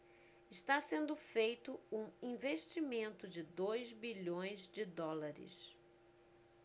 está sendo feito um investimento de dois bilhões de dólares